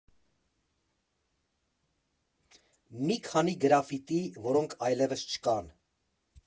Մի քանի գրաֆիտի, որոնք այլևս չկան։